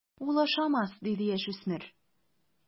Ул ашамас, - диде яшүсмер.